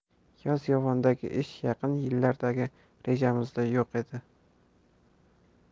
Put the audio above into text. yozyovondagi ish yaqin yillardagi rejamizda yo'q edi